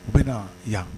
U bɛna yan